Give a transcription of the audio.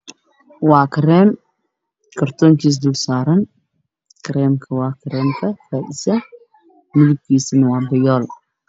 Waa kareen kartoonkiisa dulsaaran kareenka waa kareenka faiza midabkiisana waa biyool